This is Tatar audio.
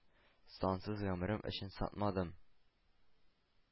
Сансыз гомрем өчен сатмадым.